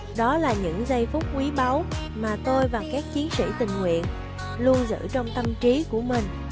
đó là những giây phút quý báu mà tôi và các chiến sĩ tình nguyện luôn lưu giữ trong tâm trí của mình